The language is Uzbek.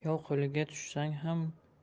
yov qo'liga tushsang